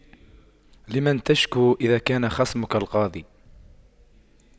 لمن تشكو إذا كان خصمك القاضي